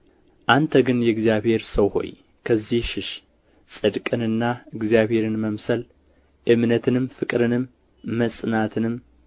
አንተ ግን የእግዚአብሔር ሰው ሆይ ከዚህ ሽሽ ጽድቅንና እግዚአብሔርን መምሰል እምነትንም ፍቅርንም መጽናትንም